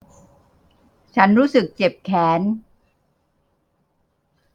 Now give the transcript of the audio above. ฉันรู้สึกเจ็บแขน